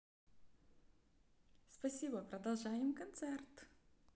спасибо продолжаем концерт